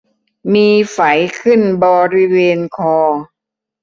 มีไฝขึ้นบริเวณคอ